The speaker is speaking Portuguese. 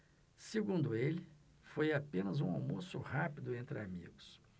segundo ele foi apenas um almoço rápido entre amigos